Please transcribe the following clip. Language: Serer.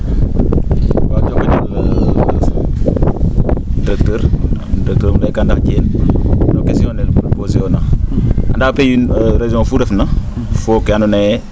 njokonjal directeur directeur um layka ndax ndax Diene no question le poser oona anda pays région fuu refna fo kee andoona yee